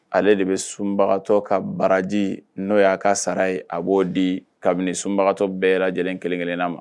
Ale de bɛ sunbagatɔ ka baraji n'o y'a ka sara ye a b'o di kabini sunbagatɔ bɛɛ lajɛlen kelen kelenna ma